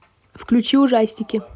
включи ужастики